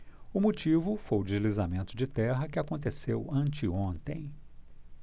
o motivo foi o deslizamento de terra que aconteceu anteontem